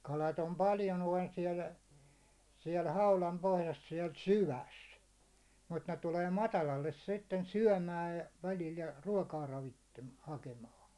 kalat on paljon noin siellä siellä haudan pohjassa siellä syvässä mutta ne tulee matalalle sitten syömään ja välillä ja ruokaa - hakemaan